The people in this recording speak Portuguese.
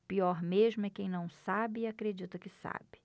pior mesmo é quem não sabe e acredita que sabe